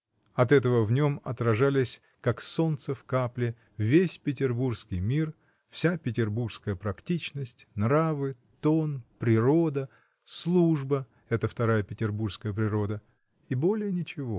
От этого в нем отражались, как солнце в капле, весь петербургский мир, вся петербургская практичность, нравы, тон, природа, служба — эта вторая петербургская природа, и более ничего.